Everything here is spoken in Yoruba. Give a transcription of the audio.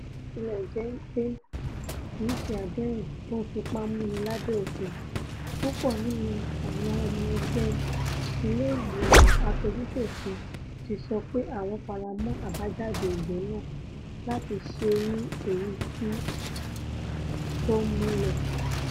Bó tilẹ̀ jé pé kìí ṣe àdéhùn tó ń fipá múni lábẹ̀ òfin, púpọ̀ nínú àwọn ọmọ ẹgbẹ́ ilé ìgbìmọ aṣojú-ṣòfin ti sọ pé àwọn faramọ̀ àbájáde ìbò náà láti ṣeé ní èyití tó múlẹ̀.